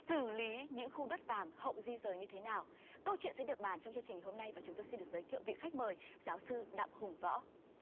xử lý những khu đất vàng hậu di dời như thế nào câu chuyện sẽ được bàn trong chương trình hôm nay và chúng tôi xin được giới thiệu vị khách mời giáo sư đặng hùng võ